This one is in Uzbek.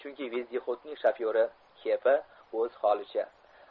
chunki vezdexodning shoferi kepa o'z holicha